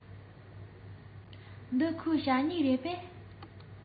འདི ཁོའི ཞ སྨྱུག རེད པས